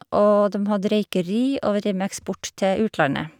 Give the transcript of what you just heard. Og dem hadde røykeri, og vi drev med eksport til utlandet.